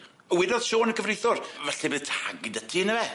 A wedodd Siôn y cyfreithiwr falle bydd tag gyda ti yndyfe?